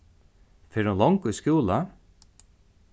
fer hon longu í skúla